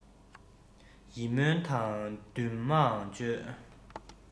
ཡིད སྨོན དང འདུན མའང བཅོལ